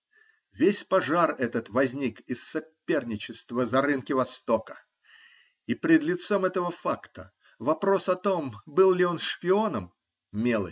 Весь пожар этот возник из соперничества за рынки Востока, и пред лицом этого факта вопрос о том, был ли он шпионом -- мелочь.